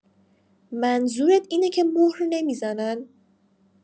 منظورت اینه که مهر نمی‌زنن؟